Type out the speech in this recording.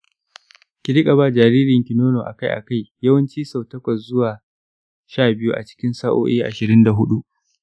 ki riƙa ba jaririnki nono akai-akai, yawanci sau takwas zuwa sha biyu a cikin sa'o'i ashirin da huɗu